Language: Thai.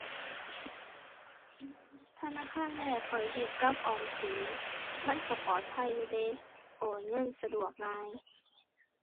ธนาคารแรกข้อยเฮ็ดกับออมสิน มันก็ปลอดภัยอยู่เดะ โอนเงินสะดวก ง่าย